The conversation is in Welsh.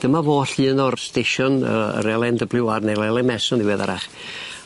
Dyma fo llun o'r stesion yy yr El En Double-you Are ne'r El Em Ess yn ddiweddarach.